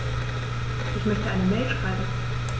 Ich möchte eine Mail schreiben.